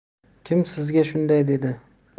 kim sizga shunday dedi